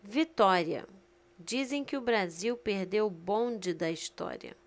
vitória dizem que o brasil perdeu o bonde da história